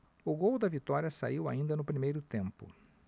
o gol da vitória saiu ainda no primeiro tempo